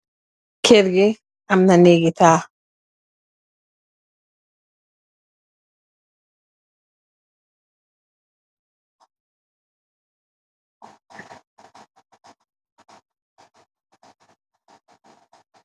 Kèr ngi am na nehgi tax.